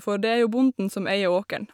For det er jo bonden som eier åkeren.